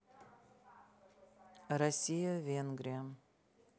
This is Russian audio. россия венгрия